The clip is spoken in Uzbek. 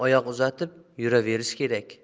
oyoq uzatib yuraverish kerak